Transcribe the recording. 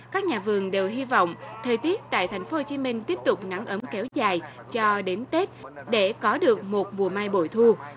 các nhà vườn đều hy vọng thời tiết tại thành phố hồ chí minh tiếp tục nắng ấm kéo dài cho đến tết để có được một mùa mai bội thu